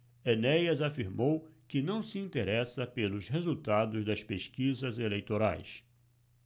enéas afirmou que não se interessa pelos resultados das pesquisas eleitorais